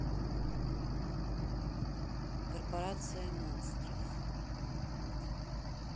корпорация монстров